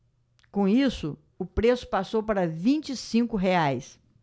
com isso o preço passou para vinte e cinco reais